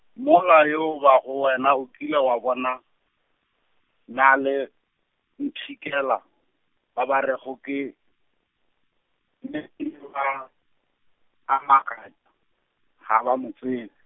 mola yo bago wena o kile wa bona, na le, mpshikela, ba ba rego ke, ga, a makatša, ga ba mo tsebe.